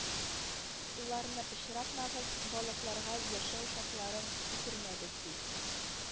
Ларны пычратмагыз, балыкларга яшәү шартларын үтермәгез, ди